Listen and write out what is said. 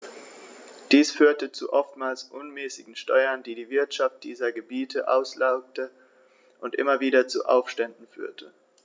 Dies führte zu oftmals unmäßigen Steuern, die die Wirtschaft dieser Gebiete auslaugte und immer wieder zu Aufständen führte.